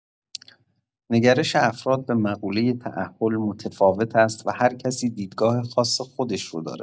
نگرش افراد به مقوله تأهل متفاوت است و هر کسی دیدگاه خاص خودش رو داره.